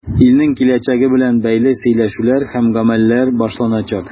Илнең киләчәге белән бәйле сөйләшүләр һәм гамәлләр башланачак.